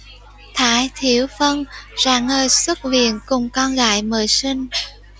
thái thiếu phân rạng ngời xuất viện cùng con gái mới sinh